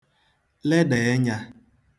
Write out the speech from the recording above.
ledà enyā